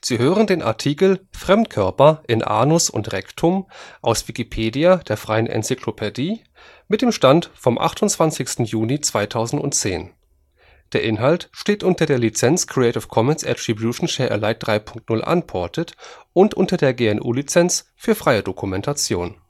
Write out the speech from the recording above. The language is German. Sie hören den Artikel Fremdkörper in Anus und Rektum, aus Wikipedia, der freien Enzyklopädie. Mit dem Stand vom Der Inhalt steht unter der Lizenz Creative Commons Attribution Share Alike 3 Punkt 0 Unported und unter der GNU Lizenz für freie Dokumentation